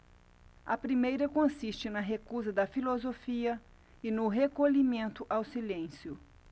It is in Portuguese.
a primeira consiste na recusa da filosofia e no recolhimento ao silêncio